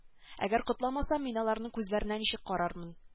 Әгәр котламасам мин аларның күзләренә ничек карармын